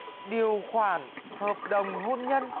điều khoản hợp đồng hôn nhân